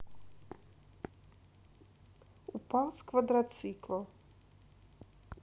упал с квадроцикла